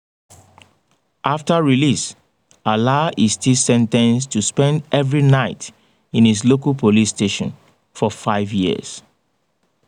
After release, Alaa is still sentenced to spend every night in his local police station for "five years".